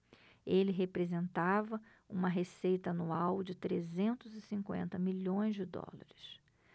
ele representava uma receita anual de trezentos e cinquenta milhões de dólares